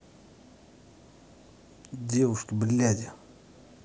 девушки бляди